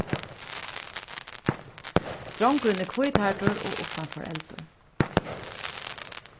drongurin er hvíthærdur og uttan foreldur